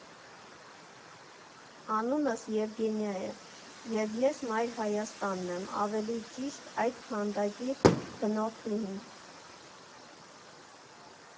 Անունս Եվգենիա է, և ես Մայր Հայաստանն եմ, ավելի ճիշտ այդ քանդակի բնորդուհին։